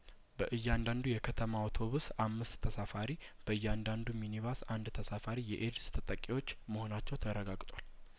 በእያንዳንዱ የከተማ አውቶብስ አምስት ተሳፋሪ በእያንዳንዱ ሚኒባስ አንድ ተሳፋሪ የኤድስ ተጠቂዎች መሆናቸው ተረጋግጧል